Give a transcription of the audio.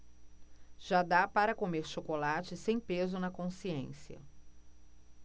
já dá para comer chocolate sem peso na consciência